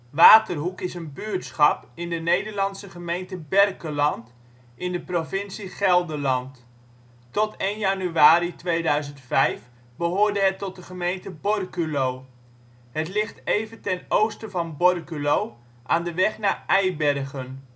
Waterhoek is een buurtschap in de Nederlandse gemeente Berkelland in de provincie Gelderland. Tot 1 januari 2005 behoorde het tot de gemeente Borculo. Het ligt even ten oosten van Borculo aan de weg naar Eibergen